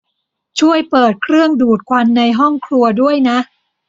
ช่วยเปิดเครื่องดูดควันในห้องครัวด้วยนะ